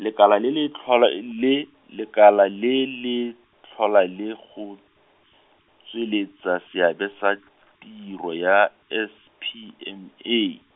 lekala le le tlhola l- le, lekala le le tlhola le go, tsweletsa seabe sa tiro ya S P M A.